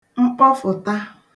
mkpọfụ̀ta